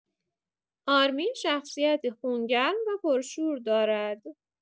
آرمین شخصیتی خونگرم و پرشور دارد.